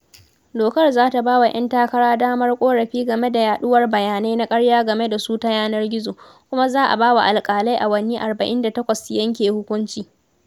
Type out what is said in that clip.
Dokar za ta ba wa ‘yan takara damar ƙorafi game da yaɗuwar bayanai na ƙarya game da su ta yanar gizo, kuma za a bawa alƙalai awanni 48 su yanke hukunci.